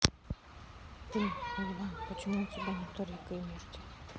ты уебан почему у тебя нету рика и морти